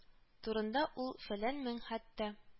Турында ул фәлән мең, хәтта